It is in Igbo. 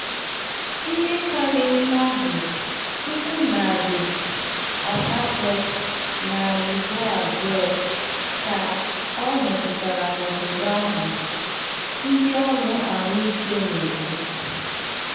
Ihe karịrị mmadụ 820,000 ka ọ metụtara n’obodo ahụ, ndị ọrụ ahụike na-ekwu.